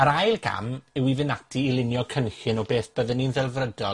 Yr ail gam yw i fynd ati i lunio cynllun o beth bydden ni'n ddelfrydol